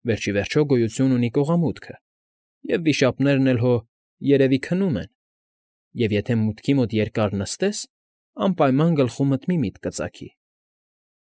Վերջ ի վերջո գոյություն ունի Կողամուտքը, և վիշապներն էլ հո երբևէ քնում են, և եթե մուտքի մոտ երկար նստես, անպայման գլխումդ մի մտիք կծագի։